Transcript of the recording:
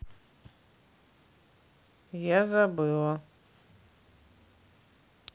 я забыла